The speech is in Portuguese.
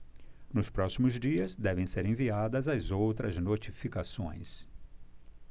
nos próximos dias devem ser enviadas as outras notificações